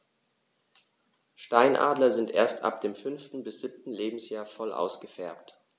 Steinadler sind erst ab dem 5. bis 7. Lebensjahr voll ausgefärbt.